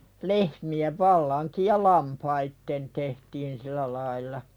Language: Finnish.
lehmien vallankin ja lampaiden tehtiin sillä lailla